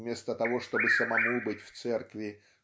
вместо того чтобы самому быть в церкви